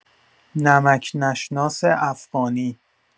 نمک نشناس افغانی